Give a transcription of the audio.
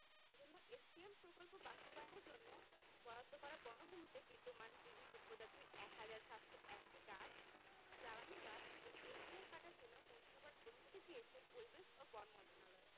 এজন্য এসপিএম প্রকল্প বাস্তবায়নের জন্য বরাদ্দ করা বনভূমিতে বিদ্যমান বিভিন্ন প্রজাতির ১ হাজার ৭০১টি গাছ জ্বালানি গাছ ও বেতঝাড় কাটার জন্য মন্ত্রিসভার অনুমতি চেয়েছে পরিবেশ ও বন মন্ত্রণালয়